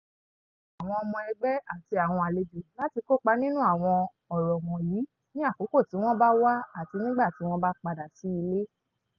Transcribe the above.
Wọ́n tún rọ àwọn ọmọ ẹgbẹ́ àti àwọn àlejò láti kópa nínú àwọn ọ̀rọ̀ wọ̀nyìí ní àkókò tí wọ́n bá wá àti nígbà tí wọ́n bá padà sí ilé.